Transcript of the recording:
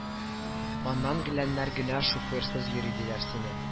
Аннан геләннәр генә шуфыйрсыз йөри диләр сине